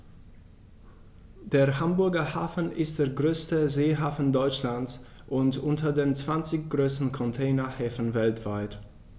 Der Hamburger Hafen ist der größte Seehafen Deutschlands und unter den zwanzig größten Containerhäfen weltweit.